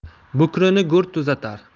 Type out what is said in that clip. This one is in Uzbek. bukrini go'r tuzatar